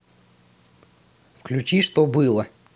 включи что было